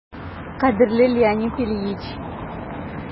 «кадерле леонид ильич!»